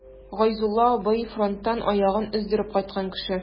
Гайзулла абый— фронттан аягын өздереп кайткан кеше.